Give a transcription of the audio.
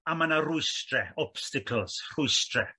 a ma' 'na rwystre obstacles rhwystre.